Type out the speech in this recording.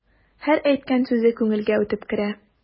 Һәр әйткән сүзе күңелгә үтеп керә.